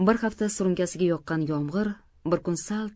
bir hafta surunkasiga yoqqan yomg'ir bir kun sal